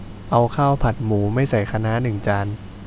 เอาข้าวผัดหมูไม่ใส่คะน้าหนึ่งจาน